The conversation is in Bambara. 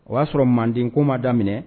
O y'a sɔrɔ manden ko ma daminɛ